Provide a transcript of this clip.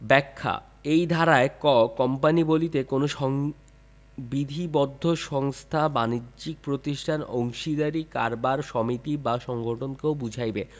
ব্যাখ্যাঃ এই ধারায়ঃ ক কোম্পানী বলিতে কোন সংবিধিবদ্ধ সংস্থা বাণিজ্যিক প্রতিষ্ঠান অংশীদারী কারবার সমিতি বা সংগঠনকেও বুঝাইবে